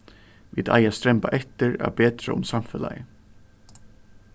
vit eiga at stremba eftir at betra um samfelagið